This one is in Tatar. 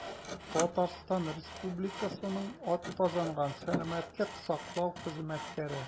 «татарстан республикасының атказанган сәламәтлек саклау хезмәткәре»